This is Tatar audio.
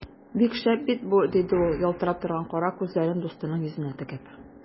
Бик шәп бит бу! - диде ул, ялтырап торган кара күзләрен дустының йөзенә текәп.